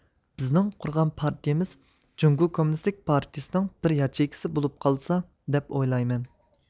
بىزنىڭ قۇرغان پارتىيىمىز جۇڭگو كوممۇنىستىك پارتىيىسىنىڭ بىر ياچېيكىسى بولۇپ قالسا دەپ ئويلايمەن